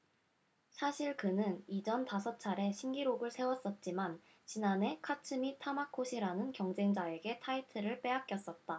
사실 그는 이전 다섯 차례 신기록을 세웠었지만 지난해 카츠미 타마코시라는 경쟁자에게 타이틀을 빼앗겼었다